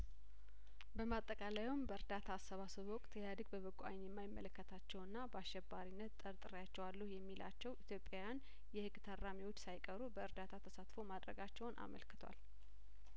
በማጠቃለያውም በእርዳታ አሰባሰቡ ወቅት ኢህአዲግ በበጐ አይን የማይመለከታቸውና በአሸባሪነት ጠርጥሬያቸዋለሁ የሚላቸው ኢትዮጵያውያን የህግ ታራሚዎች ሳይቀሩ በእርዳታው ተሳትፎ ማድረጋቸውን አመልክቷል